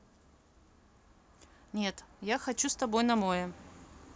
нет я хочу с тобой на море